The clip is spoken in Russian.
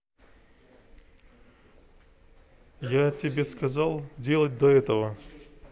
я что тебе сказал сделать до этого